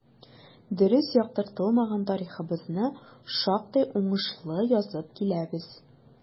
Дөрес яктыртылмаган тарихыбызны шактый уңышлы язып киләбез.